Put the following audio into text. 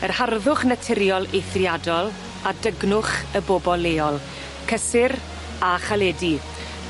Yr harddwch naturiol eithriadol a dygnwch y bobol leol cysur a chaledi